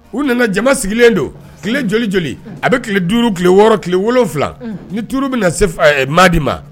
U nana jama sigilenlen don tile joli joli a bɛ tile duuru tile wɔɔrɔ ki wolofila ni duuruuru bɛ na se maadi ma